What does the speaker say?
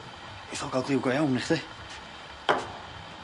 Neith chdi?